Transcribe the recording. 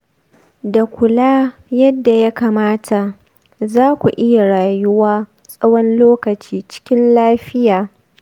da kula yadda ya kamata, za ku iya rayuwa tsawon lokaci cikin lafiya.